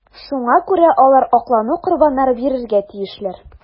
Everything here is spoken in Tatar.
Шуңа күрә алар аклану корбаннары бирергә тиешләр.